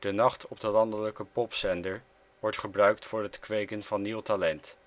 nacht op de landelijke popzender wordt gebruikt voor het kweken van nieuw talent